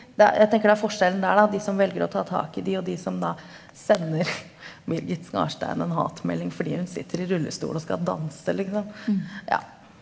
de jeg tenker det er forskjellen der da, de som velger å ta tak i de og de som da sender Birgit Skarstein en hatmelding fordi hun sitter i rullestol og skal danse liksom ja.